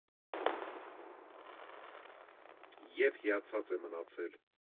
ԵՒ հիացած է մնացել։